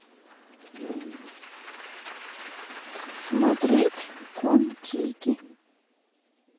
смотреть кон тики